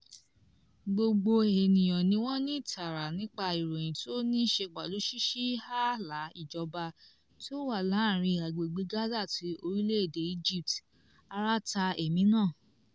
Gbogbo ènìyàn ni wọ́n ní ìtara nípa ìròyìn tí ó níí ṣe pẹ̀lú ṣíṣí ààlà ìjọba tí ó wà láàárín Agbègbè Gaza àti orílẹ̀-èdè Egypt, ara ta èmi náà.